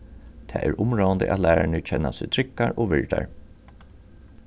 tað er umráðandi at lærararnir kenna seg tryggar og virdar